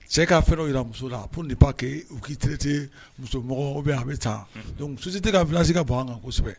Cɛ k'a fɛ jira muso la p de ba kɛ u k'ite musomɔgɔ bɛ a bɛ taa susi tɛ ka fisasi ka bɔ ban an kansɛbɛ